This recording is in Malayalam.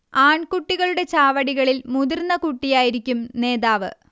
ആൺകുട്ടികളുടെ ചാവടികളിൽ മുതിർന്ന കുട്ടിയായിരിക്കും നേതാവ്